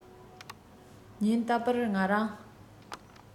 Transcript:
ཉིན རྟག པར ང རང